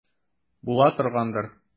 Була торгандыр.